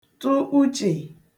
tụ uchè